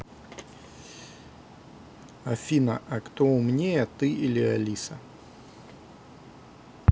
афина а кто умнее ты или алиса